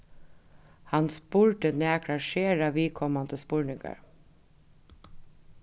hann spurdi nakrar sera viðkomandi spurningar